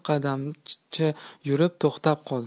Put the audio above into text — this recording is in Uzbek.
o'n qadamcha yurib to'xtab qoldi